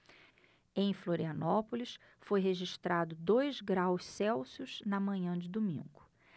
em florianópolis foi registrado dois graus celsius na manhã de domingo